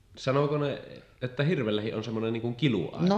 sanoiko ne että hirvelläkin on semmoinen niin kuin kiluaika